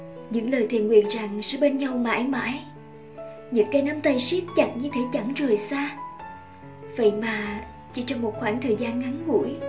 những lời thề nguyền rằng sẽ bên nhau mãi mãi những cái nắm tay siết chặt như thể chẳng rời xa vậy mà chỉ trong một khoảng thời gian ngắn ngủi